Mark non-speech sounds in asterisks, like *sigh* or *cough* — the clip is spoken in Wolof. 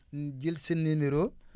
*hesitation* jël seen numéros